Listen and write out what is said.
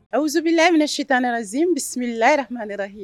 Azbi la minɛ sitanɛra ze bisimila laramɛrahi